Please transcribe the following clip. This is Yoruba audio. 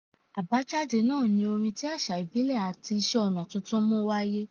Àbájáde náà ni orin tí àṣà ìbílẹ̀ àti iṣẹ́ ọ̀nà tuntun mú wáyé.